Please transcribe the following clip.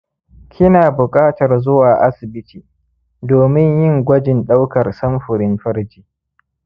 kina buƙatar zuwa asibiti domin yin gwajin ɗaukar samfurin farji.